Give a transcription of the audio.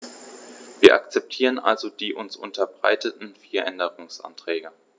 Wir akzeptieren also die uns unterbreiteten vier Änderungsanträge.